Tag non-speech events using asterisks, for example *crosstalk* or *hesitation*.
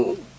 *hesitation* *hesitation*